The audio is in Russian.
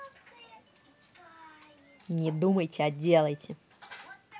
не думайте а делайте